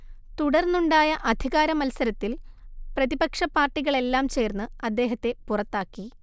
തുടർന്നുണ്ടായ അധികാരമത്സരത്തിൽ പ്രതിപക്ഷ പാർട്ടികളെല്ലാം ചേർന്ന് അദ്ദേഹത്തെ പുറത്താക്കി